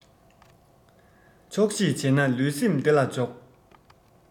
ཆོག ཤེས བྱས ན ལུས སེམས བདེ ལ འཇོག